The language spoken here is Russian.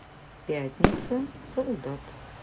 пятница солдат